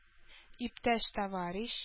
Иптәш-товарищ